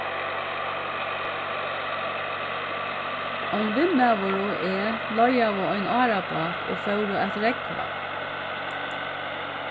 ein vinmaður og eg leigaðu ein árabát og fóru at rógva